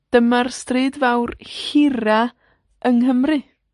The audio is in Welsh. Dyma'r stryd fawr hira yng Nghymru!